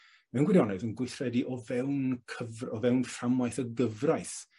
mewn gwirionedd yn gweithredu o fewn cyfr- o fewn fframwaith y gyfraith